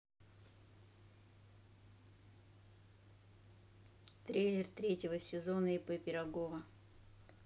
трейлер третьего сезона ип пирогова